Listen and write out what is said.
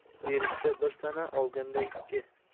berishda bir sana olganda ikki